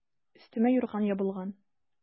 Өстемә юрган ябылган.